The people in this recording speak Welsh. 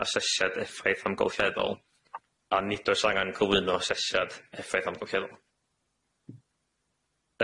aseshiad effaith amgylcheddol a nid oes angan cyflwyno asesiad effaith amgylcheddol.